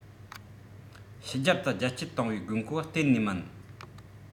ཕྱི རྒྱལ དུ རྒྱ སྐྱེད གཏོང བའི དགོས མཁོ གཏན ནས མིན